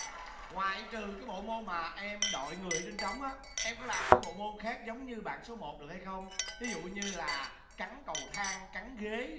ngoại trừ cái bộ môn mà em đội người ở trên trống á em có làm những bộ môn khác giống như bạn số một được hay không thí dụ như là cắn cầu thang cắn ghế